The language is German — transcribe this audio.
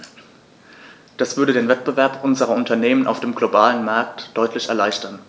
Das würde den Wettbewerb unserer Unternehmen auf dem globalen Markt deutlich erleichtern.